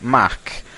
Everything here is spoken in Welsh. Mac